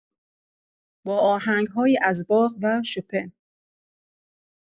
با آهنگ‌هایی از باخ و شوپن